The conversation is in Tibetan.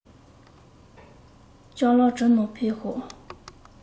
ལྕམ ལགས གྲུང ན ཕེབས ཤོག